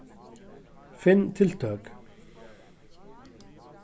finn tiltøk